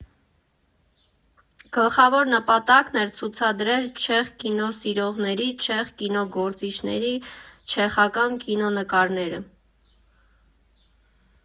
Գլխավոր նպատակն էր ցուցադրել չեխ կինոսիրողների, չեխ կինոգործիչների չեխական կինոնկարները։